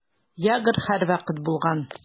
Ягр һәрвакыт булган.